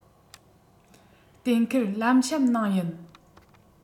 གཏན འཁེལ ལམ གཤམ ནང ཡིན